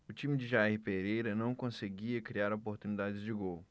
o time de jair pereira não conseguia criar oportunidades de gol